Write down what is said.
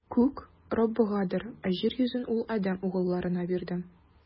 Күк - Раббыгадыр, ә җир йөзен Ул адәм угылларына бирде.